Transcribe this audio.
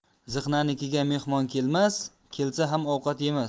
ziqnanikiga mehmon kelmas kelsa ham ovqat yemas